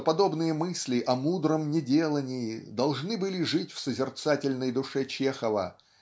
что подобные мысли о мудром неделании должны были жить в созерцательной душе Чехова